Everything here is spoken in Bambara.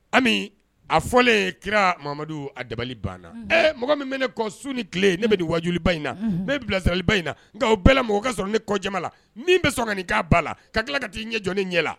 Ami a fɔlen kiramamadu a dabali banna ɛ mɔgɔ min bɛ ne kɔ su ni tile, ne bɛ wajuliba in na, ne bɛ bilasiraliba in na, nka o bɛɛ la mɔgɔ ka sɔrɔ ne kɔ jama la min bɛ ni k'a ba la, ka tila ka t'i ɲɛ jɔ ne ɲɛ la?